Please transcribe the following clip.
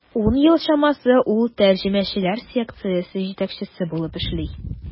Ун ел чамасы ул тәрҗемәчеләр секциясе җитәкчесе булып эшли.